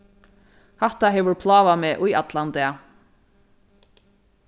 hatta hevur plágað meg í allan dag